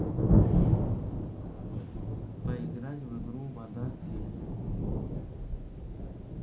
поиграть в игру вода фильм